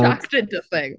Shaq did the thing.